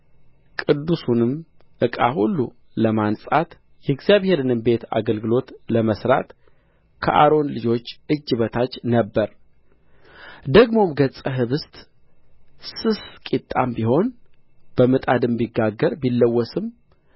ቅዱሱንም ዕቃ ሁሉ ለማንጻት የእግዚአብሔርንም ቤት አገልግሎት ለመሥራት ከአሮን ልጆች እጅ በታች ነበረ ደግሞም ገጸ ኅብስት ስስ ቂጣም ቢሆን በምጣድም ቢጋገር ቢለወስም